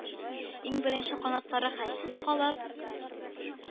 Иң беренче канатлары хәлсез калып,